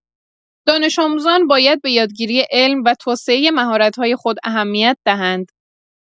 دانش‌آموزان باید به یادگیری علم و توسعه مهارت‌های خود اهمیت دهند.